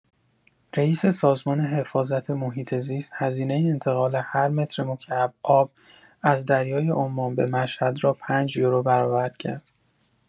رئیس سازمان حفاظت محیط‌زیست هزینه انتقال هر مترمکعب آب از دریای عمان به مشهد را پنج یورو برآورد کرد.